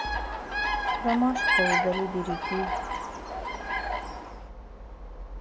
ромашка удали береги